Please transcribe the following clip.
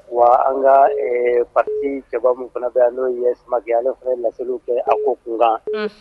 Wa an ka basi cɛbamu fana bɛ yan n'o ye sumakɛ ale fana ye naseliw kɛ a ko kunkan